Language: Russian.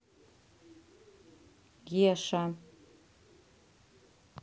еша